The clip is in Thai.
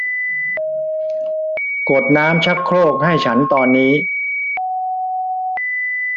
กดน้ำชักโครกให้ฉันตอนนี้